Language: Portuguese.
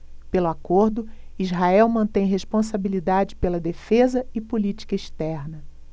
pelo acordo israel mantém responsabilidade pela defesa e política externa